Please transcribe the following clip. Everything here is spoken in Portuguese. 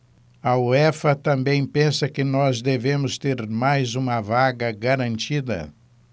a uefa também pensa que nós devemos ter mais uma vaga garantida